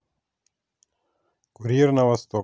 курьер на восток